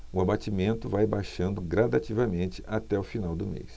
o abatimento vai baixando gradativamente até o final do mês